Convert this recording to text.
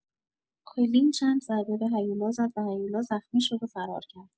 آیلین چند ضربه به هیولا زد و هیولا زخمی شد و فرار کرد.